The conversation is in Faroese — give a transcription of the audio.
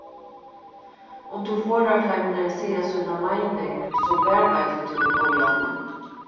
um tú forðar teimum í at siga sína meining so varðveitir tú ójavna